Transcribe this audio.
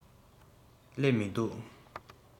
སླེབས མི འདུག